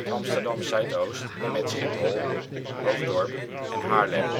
Amsterdam Zuidoost en met Schiphol, Hoofddorp en Haarlem